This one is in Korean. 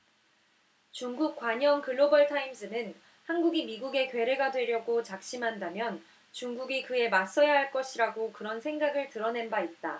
중국 관영 글로벌타임스는 한국이 미국의 괴뢰가 되려고 작심한다면 중국이 그에 맞서야 할 것이라고 그런 생각을 드러낸 바 있다